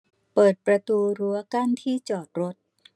เปิดประตูรั้วกั้นที่จอดรถ